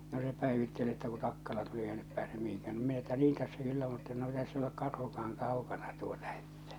no se päivitteli että kun takkala tuli eikä nyt pääse mihinkään no minä että niin tässä kyllä mutta no ei tässä ole karhukaan kaukana tuota että